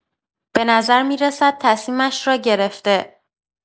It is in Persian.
به نظر می‌رسد تصمیمش را گرفته.